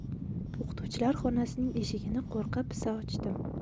o'qituvchilar xonasining eshigini qo'rqa pisa ochdim